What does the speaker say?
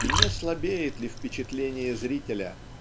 и не слабеет ли впечатление зрителя